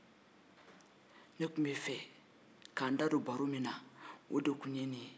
ne tun b'a fɛ ka n da don baro min na o de tun ye nin ye